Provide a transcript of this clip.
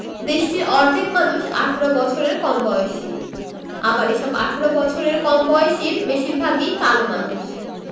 দেশটির অর্ধেক মানুষ ১৮ বছরের কম বয়সী আবার এসব ১৮ বছরের কম বয়সীর বেশির ভাগই কালো মানুষ